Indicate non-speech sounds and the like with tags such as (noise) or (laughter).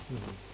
(hesitation) (hesitation)